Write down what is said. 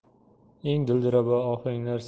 eng dilrabo ohanglar